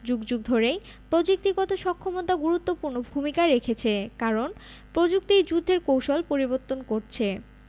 যুগ যুগ ধরেই প্রযুক্তিগত সক্ষমতা গুরুত্বপূর্ণ ভূমিকা রেখেছে কারণ প্রযুক্তিই যুদ্ধের কৌশল পরিবর্তন করছে